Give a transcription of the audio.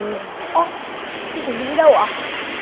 ơ chị chuẩn bị đi đâu ạ